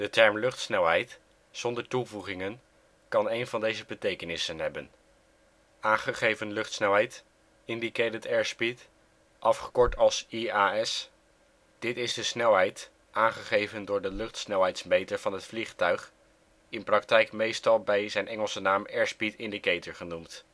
term ' luchtsnelheid ' zonder toevoegingen kan een van deze betekenissen hebben: Aangegeven luchtsnelheid (indicated airspeed – IAS). Dit is de snelheid aangegeven door luchtsnelheidsmeter van het vliegtuig (in praktijk meestal bij zijn Engelse naam airspeed indicator genoemd